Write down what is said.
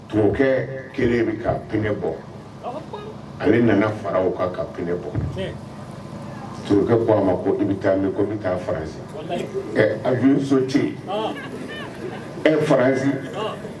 Tokɛ kelen bɛ ka pɲɛ bɔ ale nana fara o kan ka pɲɛ bɔ sokɛ bɔ a ma i bɛ taa min ko bɛ taa faranz a muso ci e faran